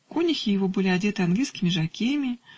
Конюхи его были одеты английскими жокеями.